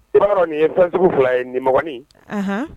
Bamanaw nin ye fɛn sugu fila ye: nimɔgɔni, onhon,